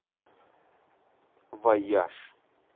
вояж